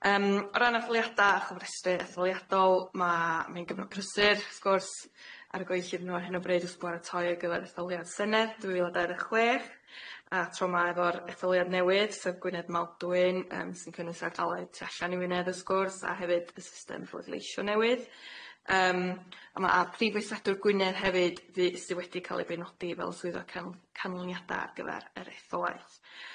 Yym o ran etholiada a chyfrestru etholiadol ma' mae'n gyfnod prysur wrth gwrs, ar y gweill ar hyn o bryd wrth i nhw baratoi ar gyfer etholiad Senedd dwy fil a dauddeg chwech a tro ma' efo'r etholiad newydd sef Gwynedd Maldwyn yym sy'n cynnwys ardaloedd tu allan i Wynedd wrth gwrs a hefyd y system fwrdd leisio newydd yym a ma' a prif weisadwr Gwynedd hefyd fu- sy wedi ca'l ei beinodi fel swyddog can- canlyniada ar gyfar yr etholaeth.